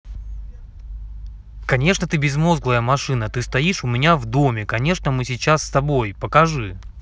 конечно ты безмозглая машина ты стоишь у меня в доме конечно мы сейчас с тобой покажи